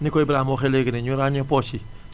ni ko Ibrahima waxee léegi ne ñu ràññee poches yi